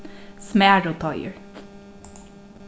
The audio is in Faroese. smæruteigur